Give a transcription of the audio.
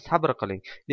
sabr qiling